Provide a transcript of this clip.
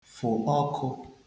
fụ̀ ọkụ